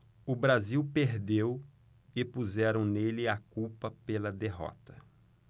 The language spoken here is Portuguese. o brasil perdeu e puseram nele a culpa pela derrota